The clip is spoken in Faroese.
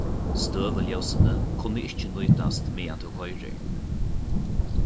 støðuljósini kunnu ikki nýtast meðan tú koyrir